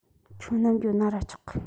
ཁྱོད ནམ འགྱོ ན ར ཆོག གི